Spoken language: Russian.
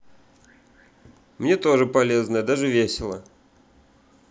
мне тоже полезное даже весело